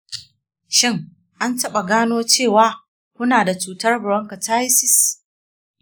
shin an taɓa gano cewa kuna da cutar bronchiectasis?